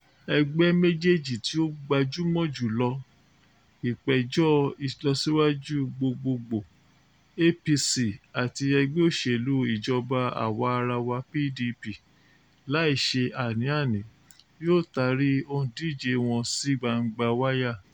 Ẹgbẹ́ méjèèjì tí ó gbajúmọ̀ jù lọ, Ìpéjọ Ìlọsíwájú Gbogboògbò APC àti Ẹgbẹ́-olóṣèlú Ìjọba-àwa-arawa PDP, láì ṣe àní-àní, yóò tari òǹdíje wọn sí gbangba wálíà: